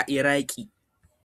a Iraki.